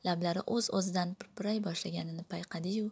lablari o'z o'zidan pirpiray boshlaganini payqadi yu